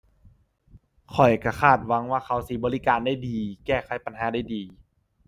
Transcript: ข้อยก็คาดหวังว่าเขาสิบริการได้ดี แก้ไขปัญหาได้ดี